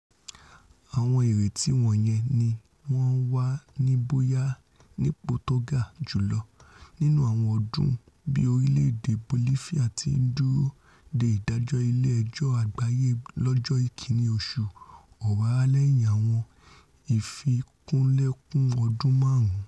Àwọn ìrètí wọ̀nyẹn ní wọ́n wà ní bóyá nípò tóga jùlọ nínú àwọn ọdún, bí orílẹ̀-èdè Bolifia ti ńdúró dé ìdájọ́ ilé ẹjọ́ àgbáyé lọ́jọ́ ìkínní oṣù Ọ̀wàrà lẹ́yìn àwọn ìfikùnlukùn ọdún máàrún.